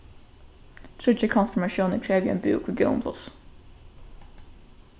tríggjar konfirmatiónir krevja ein búk við góðum plássi